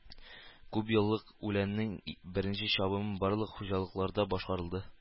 Күпьеллык үләннең беренче чабымы барлык хуҗалыкларда башкарылды